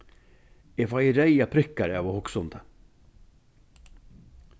eg fái reyðar prikkar av at hugsa um tað